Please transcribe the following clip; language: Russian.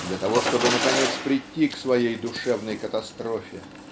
для того чтобы наконец прийти к своей душевной катастрофе.